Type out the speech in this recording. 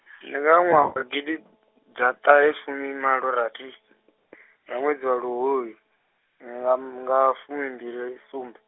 ndi nga ṅwaha wa gidiḓaṱahefumalorathi, nga ṅwedzi wa luhuhi, nga nga fumi mbili sumbe.